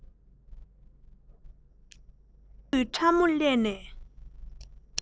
སྟོང སྐུད ཕྲ མོ བསླས ནས